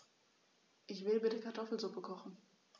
Ich will bitte Kartoffelsuppe kochen.